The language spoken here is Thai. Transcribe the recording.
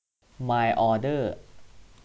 มายออเดอร์